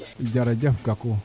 jejejef Gakou